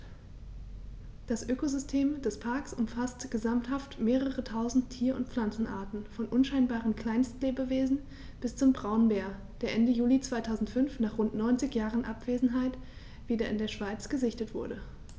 Das Ökosystem des Parks umfasst gesamthaft mehrere tausend Tier- und Pflanzenarten, von unscheinbaren Kleinstlebewesen bis zum Braunbär, der Ende Juli 2005, nach rund 90 Jahren Abwesenheit, wieder in der Schweiz gesichtet wurde.